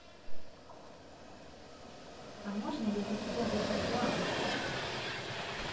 а можно я за тебя выйду замуж